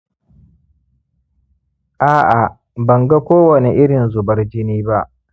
a'a, banga kowane irin zubar jini ba